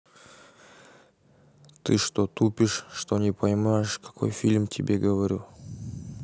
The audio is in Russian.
ты что то тупишь что не поймаешь какой фильм тебе говорю